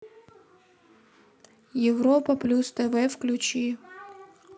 европа плюс тв включи